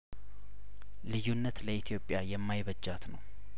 ልዩነት ለኢትዮጵያ የማይበጃት ነው